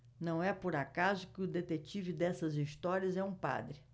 não é por acaso que o detetive dessas histórias é um padre